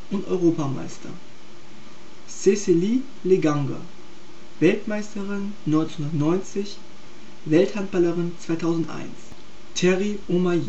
Europameister) Cecilie Leganger (Weltmeisterin 1999, Welthandballerin 2001) Thierry Omeyer